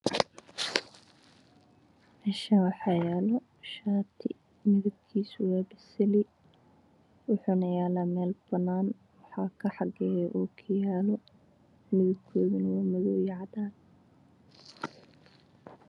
Meeshaan waxaa yaalo shaati midabkiisu waa basali waxuu yaalaa meel banaan ah waxaa kaxageeyo ookiyaalo madow iyo cadaan ah.